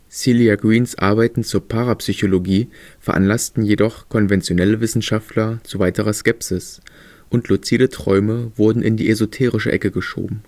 Celia Greens Arbeiten zur Parapsychologie veranlassten jedoch „ konventionelle “Wissenschaftler zu weiterer Skepsis, und luzide Träume wurden in die „ esoterische Ecke “geschoben